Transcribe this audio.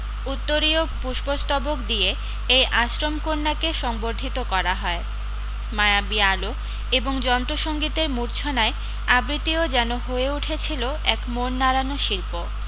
উত্তরীয় পুষ্পস্তবক দিয়ে এই আশ্রমকন্যাকে সংবর্ধিত করা হয় মায়াবী আলো এবং যন্ত্রসংগীতের মুর্ছনায় আবৃত্তিও যেন হয়ে উঠেছিল এক মন নাড়ানো শিল্প